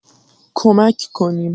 کمک کنیم.